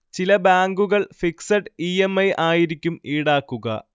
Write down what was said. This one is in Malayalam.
ചില ബാങ്കുകൾ ഫിക്സഡ് ഇഎംഐ ആയിരിക്കും ഈടാക്കുക